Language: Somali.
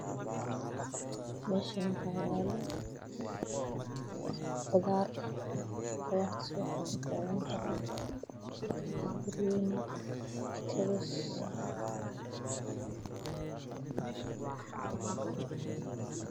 Meeshaan waxaa yeelo qudaar kalarkeedii hay haddaan xaqiraa ku jira basal toon waxaa kaloo ka mid ah berbanooni